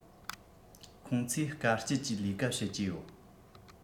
ཁོང ཚོས དཀའ སྤྱད ཀྱིས ལས ཀ བྱེད ཀྱི ཡོད